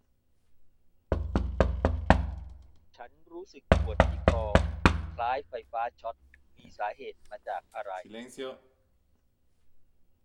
ฉันรู้สึกปวดที่คอคล้ายไฟฟ้าช็อตมีสาเหตุมากจากอะไร